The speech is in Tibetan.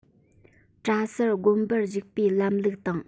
གྲྭ གསར དགོན པར ཞུགས པའི ལམ ལུགས དང